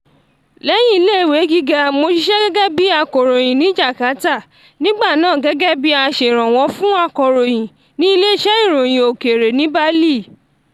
Lẹ́yìn ilé-ìwé gíga, mo ṣiṣẹ́ gẹ́gẹ́ bíi akọ̀ròyìn ní Jakarta, nígbà náà gẹ́gẹ́ bíi aṣèrànwọ́ fún akọ̀ròyìn ní ilé-iṣẹ́ ìròyìn òkèèrè ní Bali.